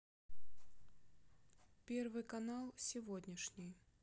первый канал сегодняшний